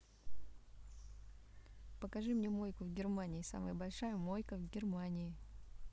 покажи мне мойку в германии самая большая мойка в германии